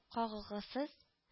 Кагылгысыз